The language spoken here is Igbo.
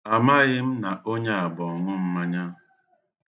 Amaghị m na onye a bụ ọṅụmmanya.